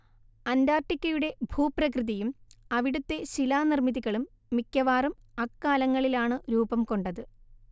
അന്റാർട്ടിക്കയുടെ ഭൂപ്രകൃതിയും അവിടുത്തെ ശിലാനിർമ്മിതികളും മിക്കവാറും അക്കാലങ്ങളിലാണ് രൂപം കൊണ്ടത്